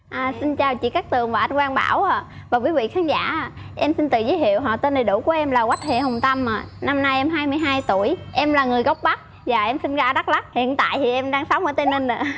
à xin chào chị cát tường và anh quang bảo ạ và quý vị khán giả ạ em xin tự giới thiệu họ tên đầy đủ của em là quách thị hồng tâm ạ năm nay em hai mươi hai tuổi em là người gốc bắc dạ em sinh ra ở đắc lắc hiện tại thì em đang sống ở tây ninh ạ